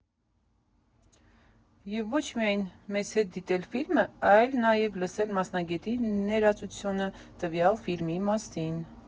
Եվ ոչ միայն մեզ հետ դիտել ֆիլմը, այլ նաև լսել մասնագետի ներածությունը տվյալ ֆիլմի մասին։